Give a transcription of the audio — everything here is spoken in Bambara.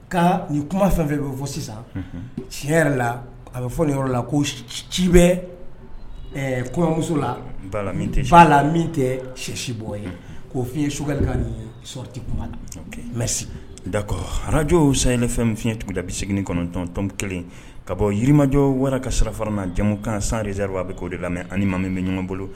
Ka ni kuma fɛn fɛ bɛ fɔ sisan tiɲɛ yɛrɛ la a bɛ fɔ de yɔrɔ la ko ci bɛ kɔɲɔmuso la la tɛ fa la min tɛ sisi bɔ ye k'o fiɲɛyɛn sukali ka yeti mɛ dakɔ ararajw san ye fɛn f fiɲɛyɛn tun da bɛ segin kɔnɔntɔntɔn kelen ka bɔ yirimajɔ wara ka sira fara na jamukan kan san dezeri a bɛ'o de lamɛn nilima min bɛ ɲɔgɔn bolo